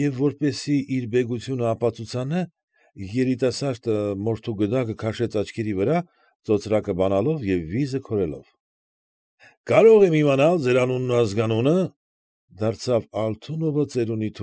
Եվ որպեսզի իր բեգությունը ապացուցանե, երիտասարդը մորթու գդակը քաշեց աչքերի վրա, ծոծրակը բանալով, և վիզը քորելով։ ֊ Կարո՞ղ եմ իմանալ ձեր անունն ու ազգանունը,֊ դարձավ Ալթունովը ծերունի։